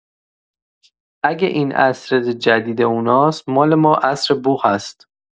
اگه این عصر جدید اوناست مال ما عصر بوق هست.